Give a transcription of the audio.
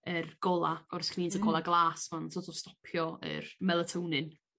yr gola' o'r sgrîns... Hmm. ...y gola' glas ma'n so't of stopio yr melatonin